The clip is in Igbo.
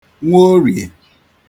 Nwoorìè